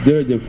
jërëjëf